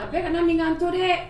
A bɛ ala min to dɛ